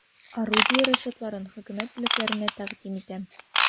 Орудие расчетларын хөкүмәт бүләкләренә тәкъдим итәм.